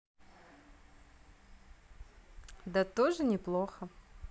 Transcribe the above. да тоже неплохо